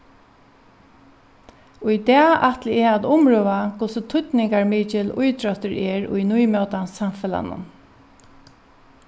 í dag ætli eg at umrøða hvussu týdningarmikil ítróttur er í nýmótans samfelagnum